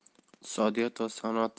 iqtisodiyot va sanoat